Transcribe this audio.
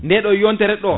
nde ɗo yontere ɗo